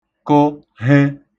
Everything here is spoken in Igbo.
kụ he